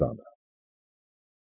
Տանը։